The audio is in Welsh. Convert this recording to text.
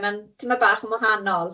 Ma'n timlo bach yn wahanol.